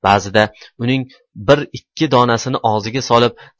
ba'zida uning bir ikki donasini og'ziga solib